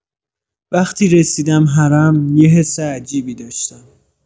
وقتی رسیدم حرم، یه حس عجیبی داشتم.